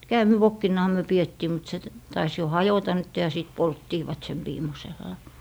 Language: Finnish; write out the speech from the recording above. käämivokkinahan me pidettiin mutta se taisi jo hajota nyt ja sitten polttivat sen viimeisellä